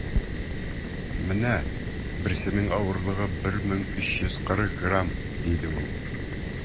- менә берсенең авырлыгы 1340 грамм, - диде ул.